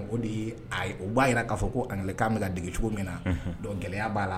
O u b'a jira k'a fɔ ko bɛ dege cogo min na gɛlɛya b'a la